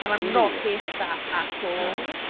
And I'm not here for that at all.